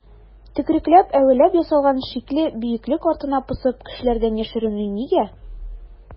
Төкерекләп-әвәләп ясалган шикле бөеклек артына посып кешеләрдән яшеренү нигә?